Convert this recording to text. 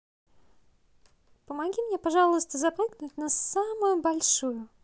помоги мне пожалуйста запрыгнуть на самую большую